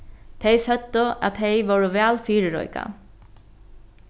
tey søgdu at tey vóru væl fyrireikað